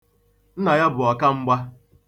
Nna ya bụ ọkamgba.